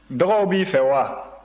dɔgɔw b'i fɛ wa